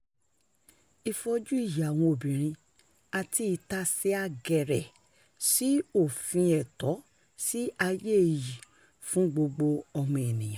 Ìfojú iyì àwọn obìnrin àti ìtasẹ̀ àgẹ̀rẹ̀ sí òfin ẹ̀tọ́ sí ayé iyì fún gbogbo ọmọ ènìyàn.